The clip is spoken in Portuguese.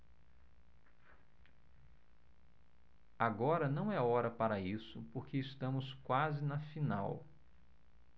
agora não é hora para isso porque estamos quase na final